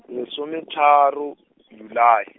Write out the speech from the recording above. lesome tharo Julae.